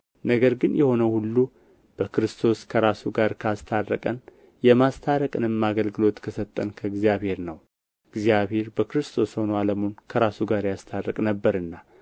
ነገር ግን የሆነው ሁሉ በክርስቶስ ከራሱ ጋር ካስታረቀን የማስታረቅም አገልግሎት ከሰጠን ከእግዚአብሔር ነው እግዚአብሔር በክርስቶስ ሆኖ ዓለሙን ከራሱ ጋር ያስታርቅ ነበርና